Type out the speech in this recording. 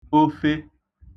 ofe